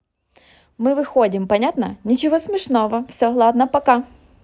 мы выходим понятно ничего смешного все ладно пока